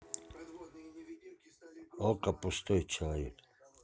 okko пустой человек